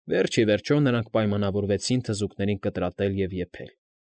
Վերջ ի վերջո նրանք պայմանավորվեցին թզուկներին կտրատել և եփել։